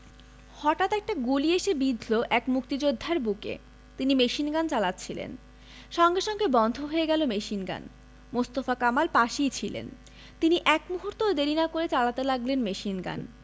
হতাৎ একটা গুলি এসে বিঁধল এক মুক্তিযোদ্ধার বুকে তিনি মেশিনগান চালাচ্ছিলেন সঙ্গে সঙ্গে বন্ধ হয়ে গেল মেশিনগান মোস্তফা কামাল পাশেই ছিলেন তিনি এক মুহূর্তও দেরি না করে চালাতে লাগলেন মেশিনগান